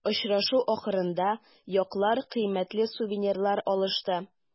Очрашу ахырында яклар кыйммәтле сувенирлар алышты.